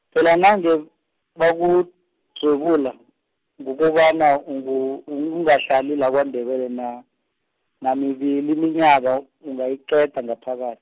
phela nange, bakudzwebula, ngokobana ungow- ungahlali la kwaNdebele, na-, namibili iminyaka ungayiqeda ngaphaka-.